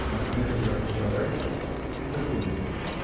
— насмешливо отвечал Райский и задумался.